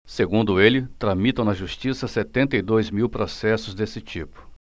segundo ele tramitam na justiça setenta e dois mil processos desse tipo